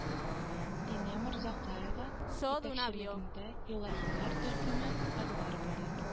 Динә Морзакаева итәкчелегендә Илаһилар төркеме ырлар бүләк